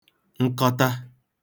nkọta